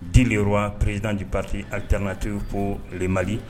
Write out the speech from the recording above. Den ppzddipte alid kate ko ma